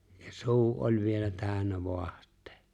ja suu oli vielä täynnä vaahtoa